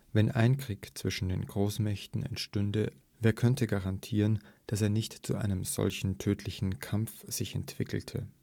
Wenn ein Krieg zwischen den Großmächten entstünde, wer könnte garantieren, dass er sich nicht zu einem solchen tödlichen Kampf entwickelte